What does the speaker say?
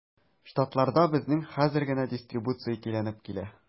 Штатларда безнең хәзер генә дистрибуция көйләнеп килә.